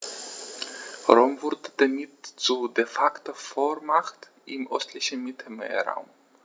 Rom wurde damit zur ‚De-Facto-Vormacht‘ im östlichen Mittelmeerraum.